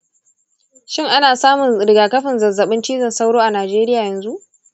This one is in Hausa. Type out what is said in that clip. shin ana samun rigakafin zazzaɓin cizon sauro a najeriya yanzu?